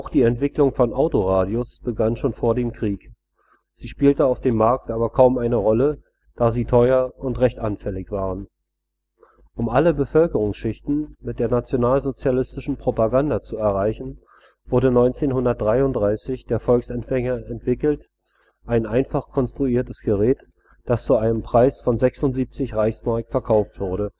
die Entwicklung von Autoradios begann schon vor dem Krieg, sie spielten auf dem Markt aber kaum eine Rolle, da sie teuer und recht anfällig waren. Um alle Bevölkerungsschichten mit der nationalsozialistischen Propaganda zu erreichen, wurde 1933 der Volksempfänger entwickelt, ein einfach konstruiertes Gerät, das zu einem Preis von 76 Reichsmark verkauft wurde